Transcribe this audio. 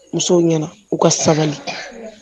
Musow ɲɛna u ka sabali